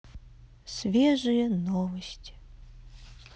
свежие новости